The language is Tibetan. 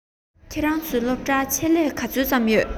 ཁྱོད རང ཚོའི སློབ གྲྭར ཆེད ལས ག ཚོད ཙམ ཡོད ན